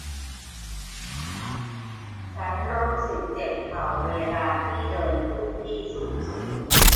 ฉันรู้สึกเจ็บเข่าเวลาที่เดินขึ้นที่สูงสูง